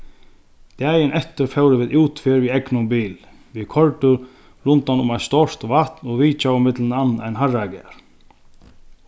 dagin eftir fóru vit útferð við egnum bili vit koyrdu rundan um eitt stórt vatn og vitjaðu millum annað ein harragarð